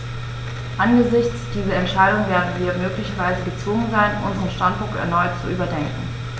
Angesichts dieser Entscheidung werden wir möglicherweise gezwungen sein, unseren Standpunkt erneut zu überdenken.